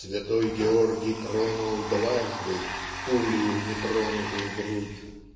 Святой Георгий тронул дважды Пулею не тронутую грудь.